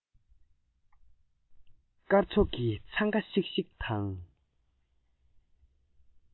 སྐར ཚོགས ཀྱི འཚང ཁ ཤིག ཤིག དང